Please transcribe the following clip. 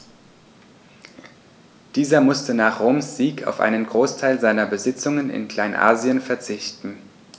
Dieser musste nach Roms Sieg auf einen Großteil seiner Besitzungen in Kleinasien verzichten.